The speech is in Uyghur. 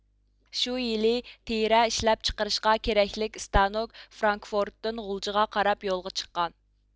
شۇ يىلى تېرە ئىشلەپ چىقىرىشقا كېرەكلىك ئىستانوك فرانكفورتتىن غۇلجىغا قاراپ يولغا چىققان